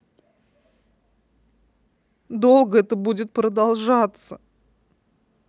долго это будет продолжаться